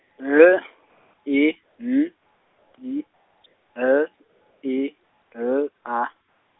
L, E, N, D, L, E, L, A.